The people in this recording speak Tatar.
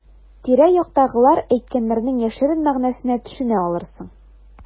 Тирә-яктагылар әйткәннәрнең яшерен мәгънәсенә төшенә алырсың.